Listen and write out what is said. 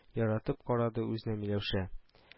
Яратып карады үзенә миләүшә